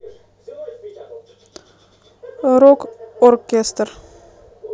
рок оркестр